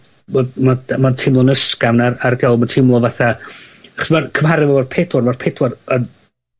my' ma' de- ma'n teimlo'n ysgafn ar- argol ma'n teimlo fatha 'chos ma'r cymharu efo'r pedwar ma'r pedwar yn